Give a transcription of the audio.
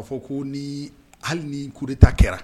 K'o fɔ ko n'i hali ni coup d'Etat kɛra